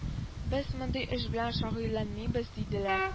Без мондый эш белән шөгыльләнмибез диделәр